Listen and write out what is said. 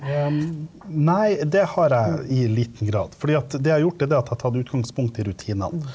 nei det har jeg i liten grad, fordi at det jeg har gjort er det at jeg har tatt utgangspunkt i rutinene.